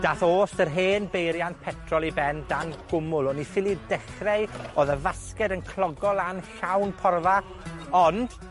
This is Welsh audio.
Dath o's yr hen beiriant petrol i ben dan gwmwl. O'n i ffili dechre 'i, odd y fasged yn clogo lan llawn porfa, ond